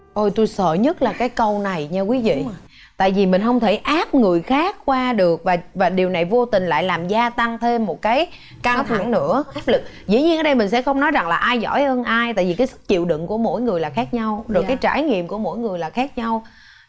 ôi tôi sợ nhất là cái câu này nhe quý vị tại vì mình không thể áp người khác qua được và và điều này vô tình lại làm gia tăng thêm một cái căng thẳng nữa áp lực dĩ nhiên ở đây mình sẽ không nói rằng là ai giỏi hơn ai tại vì cái sức chịu đựng của mỗi người là khác nhau rồi cái trải nghiệm của mỗi người là khác nhau